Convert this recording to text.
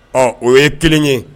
Ɔ o ye kelen ye